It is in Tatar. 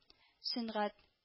Сөнгать